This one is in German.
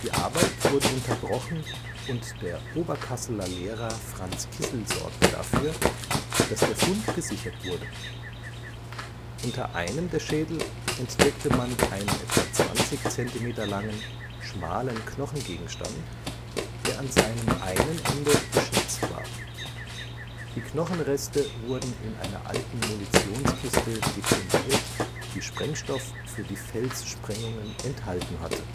Arbeit wurde unterbrochen und der Oberkasseler Lehrer Franz Kissel sorgte dafür, dass der Fund gesichert wurde. Unter einem der Schädel entdeckte man einen etwa 20 cm langen, schmalen Knochengegenstand, der an seinem einen Ende beschnitzt war. Die Knochenreste wurden in einer alten Munitionskiste deponiert, die Sprengstoff für die Felssprengungen enthalten hatte